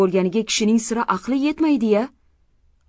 bo'lganiga kishining sira aqli yetmaydi ya